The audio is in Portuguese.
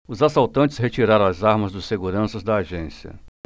os assaltantes retiraram as armas dos seguranças da agência